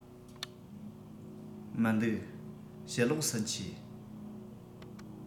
མི འདུག ཕྱི ལོགས སུ མཆིས